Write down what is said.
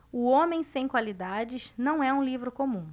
o homem sem qualidades não é um livro comum